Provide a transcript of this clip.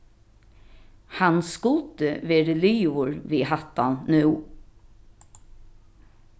hann skuldi verið liðugur við hatta nú